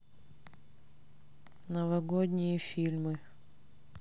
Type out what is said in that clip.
новогодние фильмы